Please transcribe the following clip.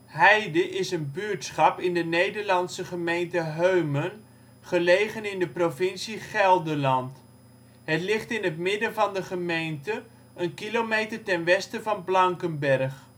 Heide is een buurtschap in de Nederlandse gemeente Heumen, gelegen in de provincie Gelderland. Het ligt in het midden van de gemeente, een kilometer ten westen van Blankenberg